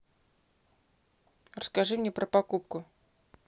расскажи мне про покупку